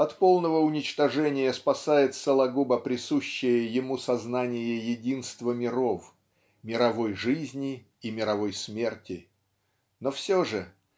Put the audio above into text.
От полного уничтожения спасает Сологуба присущее ему сознание единства миров -- мировой жизни и мировой смерти но все же